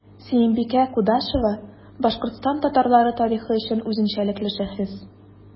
Сөембикә Кудашева – Башкортстан татарлары тарихы өчен үзенчәлекле шәхес.